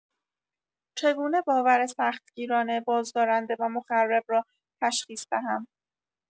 چگونه باور سختگیرانه، بازدارنده و مخرب را تشخیص دهم؟